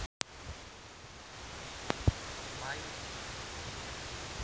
байопик